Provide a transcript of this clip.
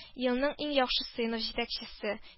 Елның иң яхшы сыйныф җитәкчесе